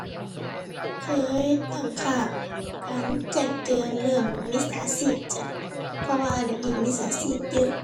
เคยตั้งค่าการแจ้งเตือนเรื่องมิจฉาชีพจ้ะ เพราะว่าเดี๋ยวนี้มิจฉาชีพเยอะ